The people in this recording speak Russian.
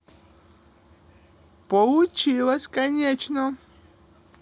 получилось конечно